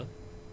dëgg la